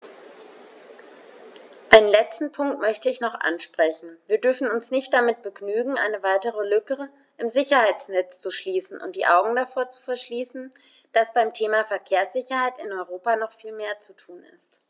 Einen letzten Punkt möchte ich noch ansprechen: Wir dürfen uns nicht damit begnügen, eine weitere Lücke im Sicherheitsnetz zu schließen und die Augen davor zu verschließen, dass beim Thema Verkehrssicherheit in Europa noch viel mehr zu tun ist.